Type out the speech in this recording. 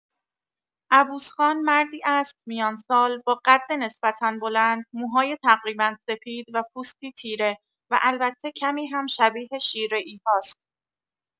عبوس خان مردی است میان‌سال، با قد نسبتا بلند، موهای تقریبا سپید و پوستی تیره؛ و البته کمی هم شبیه شیره‌ای هاست.